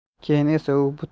keyin esa u